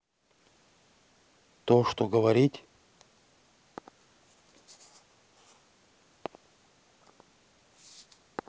то что говорить